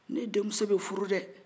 ne denmuso bɛ furu dɛɛ